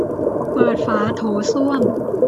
เปิดฝาโถส้วม